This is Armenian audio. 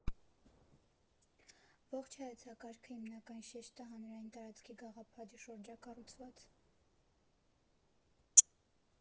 Ողջ հայեցակարգը հիմնական շեշտը հանրային տարածքի գաղափարի շուրջ է կառուցված։